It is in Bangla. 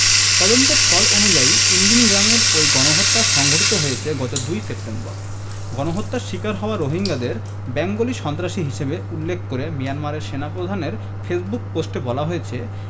তদন্তের ফল অনুযায়ী ইনদিন গ্রামের ওই গণহত্যা সংঘটিত হয়েছে গত ২ সেপ্টেম্বর গণহত্যার শিকার হওয়া রোহিঙ্গাদের বেঙ্গলি সন্ত্রাসী হিসেবে উল্লেখ করে মিয়ানমারের সেনাপ্রধানের ফেসবুক পোস্টে বলা হয়েছে